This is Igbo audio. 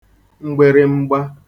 mgbịrịmgba